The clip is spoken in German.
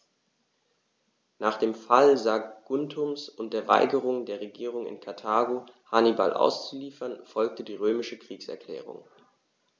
Nach dem Fall Saguntums und der Weigerung der Regierung in Karthago, Hannibal auszuliefern, folgte die römische Kriegserklärung.